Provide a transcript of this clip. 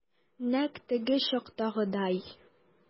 Нәкъ теге чактагыдай.